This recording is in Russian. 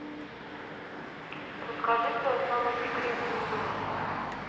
расскажи свою самую секретную версию